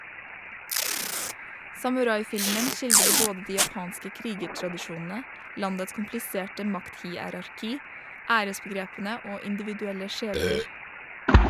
Samuraifilmen skildrer både de japanske krigertradisjonene, landets kompliserte makthierarki, æresbegrepene og individuelle skjebner.